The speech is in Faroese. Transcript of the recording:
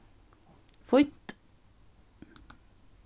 fínt